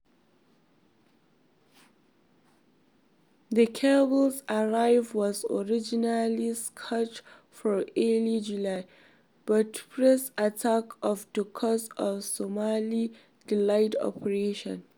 The cable's arrival was originally scheduled for early July, but pirate attacks off the coast of Somalia delayed operations.